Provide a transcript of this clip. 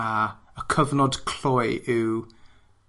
a y cyfnod cloi yw